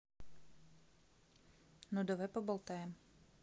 ну давай поболтаем